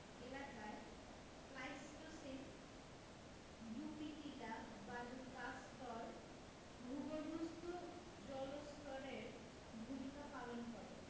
এলাকায় প্লাইসটোসিন ডুপি টিলা বালুকাস্তর ভূগর্ভস্থ জলস্তরের ভূমিকা পালন করে